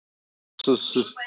с с